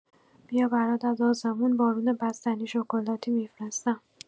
بیا برات از آسمون بارون بستنی شکلاتی می‌فرستم.